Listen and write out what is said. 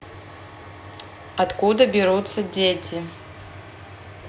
откуда берутся дети